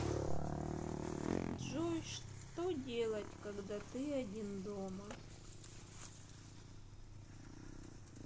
джой что делать когда ты один дома